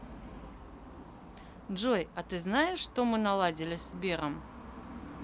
джой а ты знаешь что мы наладили сбером